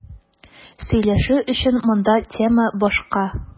Сөйләшү өчен монда тема башка.